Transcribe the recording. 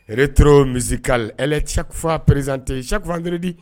Rétro musical, elle est chaque fois présentée, chaque vendredi